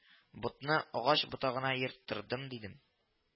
Ботны агач ботагына ерттырдым, дидем